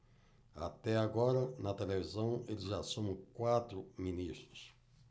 até agora na televisão eles já somam quatro ministros